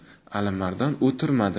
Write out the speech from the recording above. alimardon o'tirmadi